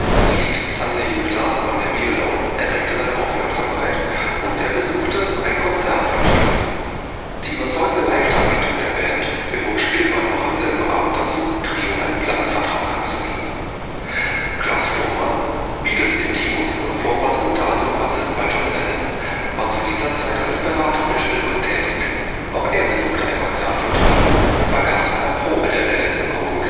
Das Lied Sunday You Need Love Monday Be Alone erregte seine Aufmerksamkeit, und er besuchte ein Konzert von Trio. Die überzeugende Live-Darbietung der Band bewog Spillmann noch am selben Abend dazu, Trio einen Plattenvertrag anzubieten. Klaus Voormann, Beatles-Intimus und vormals unter anderem Bassist bei John Lennon, war zu dieser Zeit als Berater für Spillmann tätig. Auch er besuchte ein Konzert von Trio und war Gast einer Probe der Band in